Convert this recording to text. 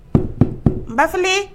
Ba